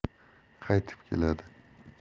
qaytib keladi